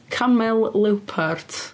Camel-Lewpart.